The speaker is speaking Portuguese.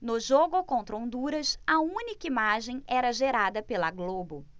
no jogo contra honduras a única imagem era gerada pela globo